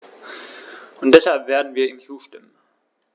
Und deshalb werden wir ihm zustimmen.